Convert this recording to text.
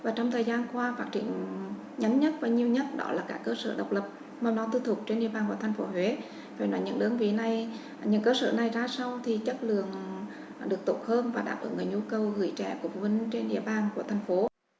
và trong thời gian qua phát triển nhanh nhất và nhiều nhất đó là các cơ sở độc lập mầm non tư thục trên địa bàn thành phố huế và những đơn vị này những cơ sở này ra sao thì chất lượng tốt hơn và đáp ứng nhu cầu gửi trẻ của phụ huynh trên địa bàn của thành phố